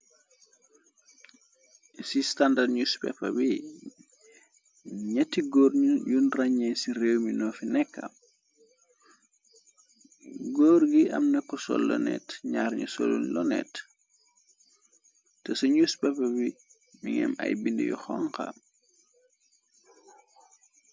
Ci standard newspepa bi ñatti góor yun rañee ci réew mi nofi nekka góor gi amna ko sol lo net ñaarñu solu lonet te ca newspefa bi mi ngém ay bind yu xonxa.